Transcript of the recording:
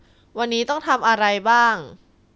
วันนี้ต้องทำอะไรบ้าง